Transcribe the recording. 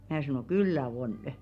minä sanoin kyllä on